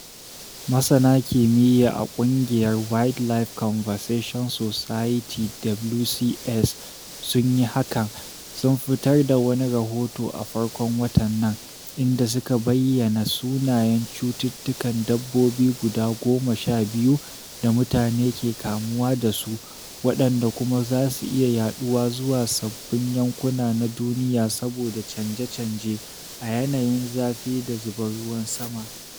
Masana kimiyya a ƙungiyar Wildlife Conservation Society (WCS) sun yi hakan — sun fitar da wani rahoto a farkon watan nan, inda suka bayyana sunayen cututtukan dabbobi guda 12 da mutane ke kamuwa dasu, waɗanda kuma za su iya yaɗuwa zuwa sabbin yankuna na duniya saboda canje-canje a yanayin zafi da zubar ruwan sama.